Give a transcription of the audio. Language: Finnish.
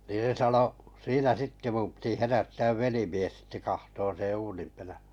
niin se sanoi siinä sitten minun piti herättää velimies sitten katsomaan sen uunin -